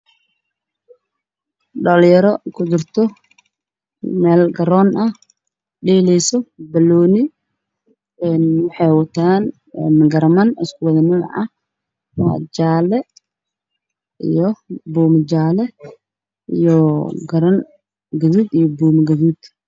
Dhalin yaro ku jirto meel garoon ah dheeleyso banooni waxey wataan garaman isku wada nooc ah waa jaale iyo buma jaale garan gaduud iyo buma gaduud